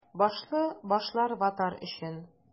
Башлы башлар — ватар өчен!